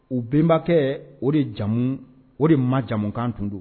U bɛnenbakɛ o de jamu o de ma jamukan tun don